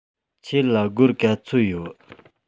ཁྱེད ལ སྒོར ག ཚོད ཡོད